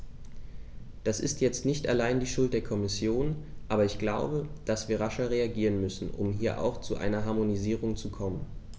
Das ist jetzt nicht allein die Schuld der Kommission, aber ich glaube, dass wir rascher reagieren müssen, um hier auch zu einer Harmonisierung zu kommen.